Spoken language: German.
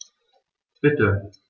Bitte.